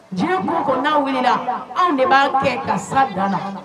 Jinɛ' ko n'aw wulila anw de b'a kɛ ka sira dan na